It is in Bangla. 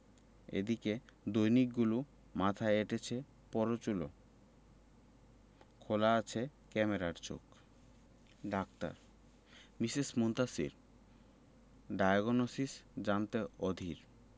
এদিকে দৈনিকগুলো মাথায় এঁটেছে পরচুলো খোলা আছে ক্যামেরার চোখ ডাক্তার মিসেস মুনতাসীর ডায়োগনসিস জানতে অধীর